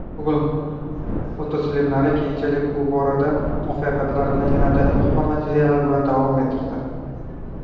google photosolimlar keyinchalik bu boradagi muvaffaqiyatlarini yanada ilg'or natijalar bilan davom ettirdi